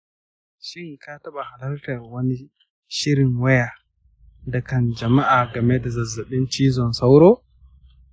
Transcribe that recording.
shin ka taɓa halartar wani shirin wayar da kan jama'a game da zazzaɓin cizon sauro?